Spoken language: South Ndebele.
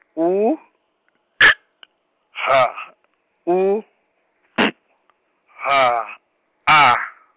U, K, H, U, P, H, A.